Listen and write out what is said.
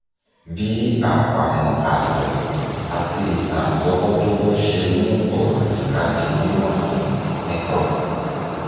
Bí àpamọ́ àlọ́ àti ìtàn àtọwọ́dọ́wọ́ ṣe mú ọ̀rọ̀ àyíká di mímọ̀ ní Mekong